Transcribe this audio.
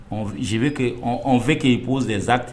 Ɔ zi bɛ kɛ an fɛ k'i boo de zanate